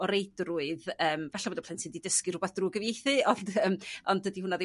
o reidrwydd yym... 'falla' bod y plentyn 'di dysgu r'wbath drw' gyfieithu ond yym dydi hyna ddim o